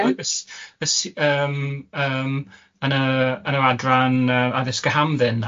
...y s- y s- yym yym yn y yn yr adran yy addysg a hamdden na.